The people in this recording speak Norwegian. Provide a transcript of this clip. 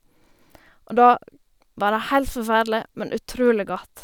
Og da var det helt forferdelig, men utrolig godt.